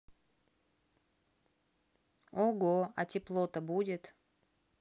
ого а тепло то будет